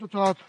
'Dw tad.